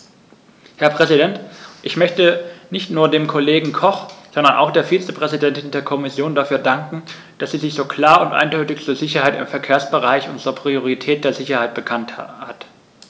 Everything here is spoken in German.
Herr Präsident, ich möchte nicht nur dem Kollegen Koch, sondern auch der Vizepräsidentin der Kommission dafür danken, dass sie sich so klar und eindeutig zur Sicherheit im Verkehrsbereich und zur Priorität der Sicherheit bekannt hat.